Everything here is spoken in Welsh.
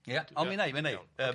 Ie on' mi wnai, mi wnei yym.